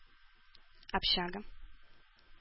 Общага